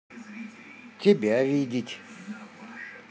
тебя видеть